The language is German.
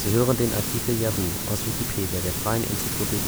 hören den Artikel Yahoo, aus Wikipedia, der freien Enzyklopädie